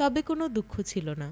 তবে কোন দুঃখ ছিল না